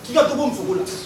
K'i ka dugu muso